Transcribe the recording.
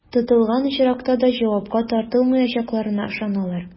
Тотылган очракта да җавапка тартылмаячакларына ышаналар.